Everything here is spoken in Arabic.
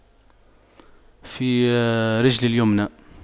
في رجلي اليمنى